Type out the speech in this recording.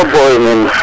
fopo woy men